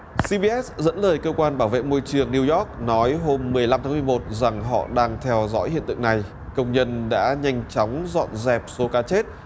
ci bi ét dẫn lời cơ quan bảo vệ môi trường niu dóc nói hôm mười lăm tháng mười một rằng họ đang theo dõi hiện tượng này công nhân đã nhanh chóng dọn dẹp số cá chết